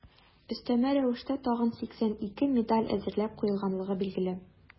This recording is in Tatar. Өстәмә рәвештә тагын 82 медаль әзерләп куелганлыгы билгеле.